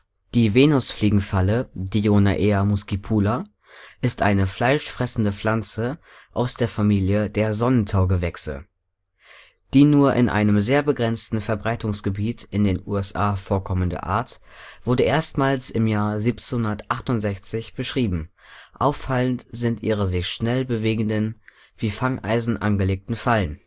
Die Venusfliegenfalle (Dionaea muscipula) ist eine fleischfressende Pflanze aus der Familie der Sonnentaugewächse (Droseraceae). Die nur in einem sehr begrenzten Verbreitungsgebiet in den USA vorkommende Art wurde erstmals im Jahr 1768 beschrieben. Auffallend sind ihre sich schnell bewegenden, wie ein Fangeisen angelegten Fallen